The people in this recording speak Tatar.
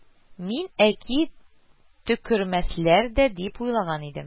Мин, әки, төкермәсләр дә дип уйлаган идем